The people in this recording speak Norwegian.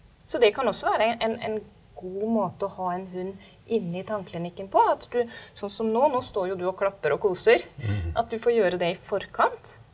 så det kan også være en en god måte å ha en hund inni tannklinikken på at du sånn som nå, nå står jo du og klapper og koser, at du får gjøre det i forkant.